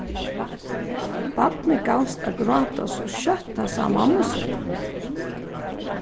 barnið gavst at gráta so skjótt tað sá mammu sína